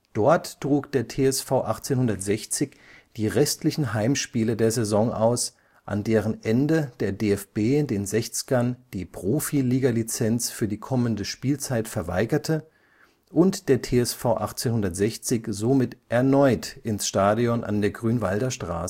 Dort trug der TSV 1860 die restlichen Heimspiele der Saison aus, an deren Ende der DFB den Sechzgern die Profiligalizenz für die kommende Spielzeit verweigerte und der TSV 1860 somit erneut ins Stadion an der Grünwalder Straße